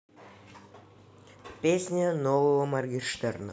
песня нового моргенштерна